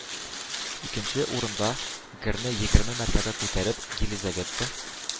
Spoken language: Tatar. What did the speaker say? Икенче урында – герне егерме мәртәбә күтәргән Елизавета